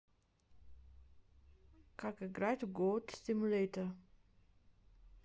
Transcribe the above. как играть в goat simulator